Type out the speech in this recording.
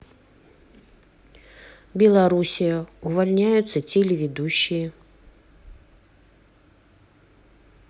белоруссия увольняются телеведущие